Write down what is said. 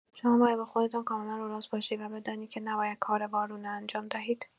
شما باید با خودتان کاملا روراست باشید و بدانید که نباید کار وارونه انجام دهید.